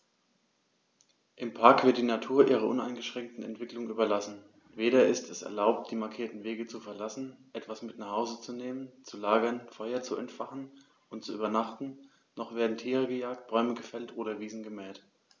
Im Park wird die Natur ihrer uneingeschränkten Entwicklung überlassen; weder ist es erlaubt, die markierten Wege zu verlassen, etwas mit nach Hause zu nehmen, zu lagern, Feuer zu entfachen und zu übernachten, noch werden Tiere gejagt, Bäume gefällt oder Wiesen gemäht.